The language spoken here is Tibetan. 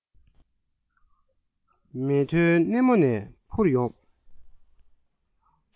མེ ཐོའི སྣེ མོ ནས འཕྱུར ཡོང